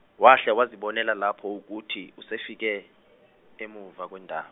wahle wazibonela lapho ukuthi usefike emuva kwendaba.